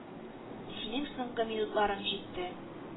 — синең соңгы минутларың җитте.